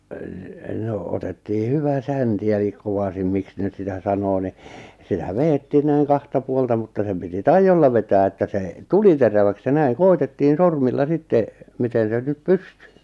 no no otettiin hyvä sänti eli kovasin miksi ne nyt sitä sanoo niin sitä vedettiin näin kahta puolta mutta sen piti taidolla vetää että se tuli teräväksi ja näin koetettiin sormilla sitten miten sen nyt pystyi